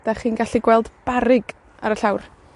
'dach chi'n gallu gweld barrug ar y llawr.